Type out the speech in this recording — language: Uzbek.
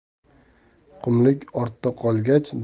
qumlik ortda qolgach